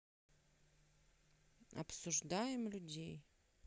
обсуждаем людей